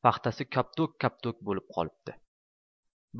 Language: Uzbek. paxtasi koptok koptok bo'lib qolibdi